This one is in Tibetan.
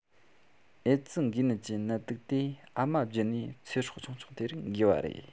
ཨེ ཙི འགོས ནད ཀྱི ནད དུག དེ ཨ མ བརྒྱུད ནས ཚེ སྲོག ཆུང ཆུང དེར འགོས པ རེད